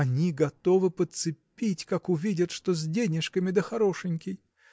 Они готовы подцепить, как увидят, что с денежками да хорошенький.